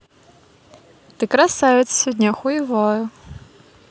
ты красавица сегодня охуеваю